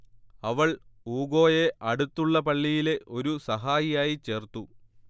അവൾ ഊഗോയെ അടുത്തുള്ള പള്ളിയിലെ ഒരു സഹായിയായി ചേർത്തു